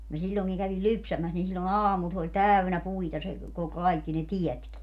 minä silloinkin kävin lypsämässä niin silloin aamulla se oli täynnä puita se kun kaikki ne tietkin